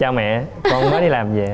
chào mẹ con mới đi làm dề